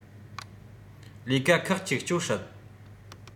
ལས ཀ ཁག གཅིག སྤྱོད སྲིད